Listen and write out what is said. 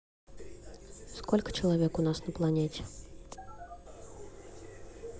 сколько человек у нас на планете